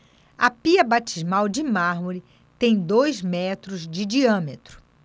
a pia batismal de mármore tem dois metros de diâmetro